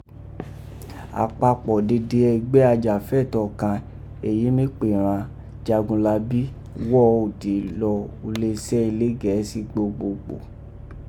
Apapọ dede ẹgbẹ ajafẹtọ kàn èyí mí pè ghan Jagunlabí gwọ́ ode lọ uleesẹ ilẹ Gẹeṣi gbogbogbò.